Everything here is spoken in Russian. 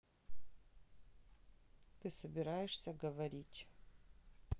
ты собираешься говорить